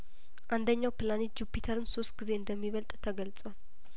አንደኛው ፕላኔት ጁፒተርን ሶስት ጊዜ እንደሚበልጥ ተገልጿል